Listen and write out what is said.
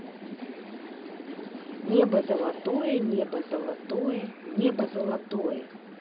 небо золотое небо золотое небо золотое